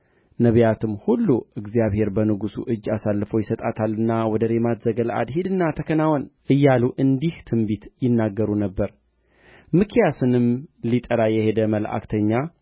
ነቢያትም ሁሉ እግዚአብሔር በንጉሡ እጅ አሳልፎ ይሰጣታልና ወደ ሬማት ዘገለዓድ ሂድና ተከናወን እያሉ እንዲህ ትንቢት ይናገሩ ነበር ሚክያስንም ሊጠራ የሄደ መልእክተኛ